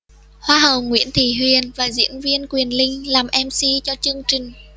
hoa hậu nguyễn thị huyền và diễn viên quyền linh làm mc cho chương trình